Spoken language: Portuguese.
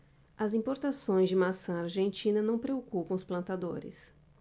as importações de maçã argentina não preocupam os plantadores